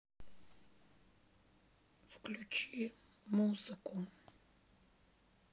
включи музыку